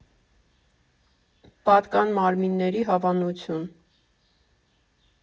Պատկան մարմինների հավանություն։